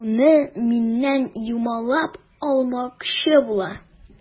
Шуны миннән юмалап алмакчы була.